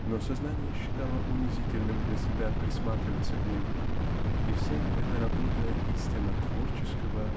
но сознание считало унизительным для себя присматриваться к ним и вся эта работа истинно-творческого